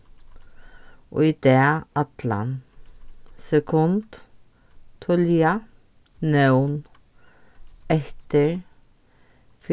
í dag allan sekund tíðliga nón eftir